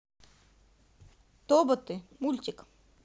тоботы мультик